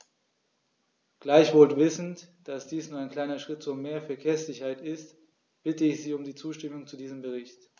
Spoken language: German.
Gleichwohl wissend, dass dies nur ein kleiner Schritt zu mehr Verkehrssicherheit ist, bitte ich Sie um die Zustimmung zu diesem Bericht.